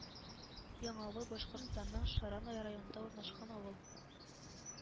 Яңавыл Башкортстанның Шаран районында урнашкан авыл